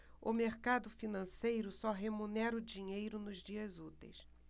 o mercado financeiro só remunera o dinheiro nos dias úteis